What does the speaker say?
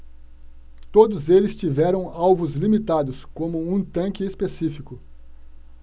todos eles tiveram alvos limitados como um tanque específico